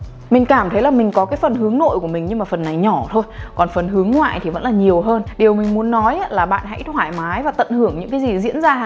mình cảm thấy rằng mình có cái phần hướng nội của mình nhưng mà phần này nhỏ thôi còn phần hướng ngoại thì vẫn là nhiều hơn điều mình muốn nói là bạn hãy thoải mái và tận hưởng những gì diễn ra hằng ngày